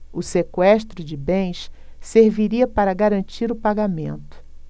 o sequestro de bens serviria para garantir o pagamento